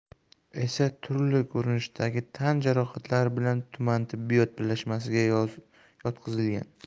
esa turli ko'rinishdagi tan jarohatlari bilan tuman tibbiyot birlashmasiga yotqizilgan